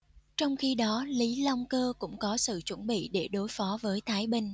trong khi đó lý long cơ cũng có sự chuẩn bị để đối phó với thái bình